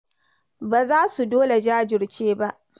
Ba za su dole jajirce ba.